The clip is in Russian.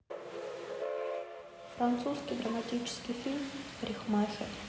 французский драматический фильм парикмахер